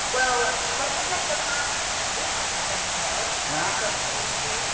Wel, mae'r podlediad yma ddim am yr Eisteddfod... Na... Serch hynny i gyd.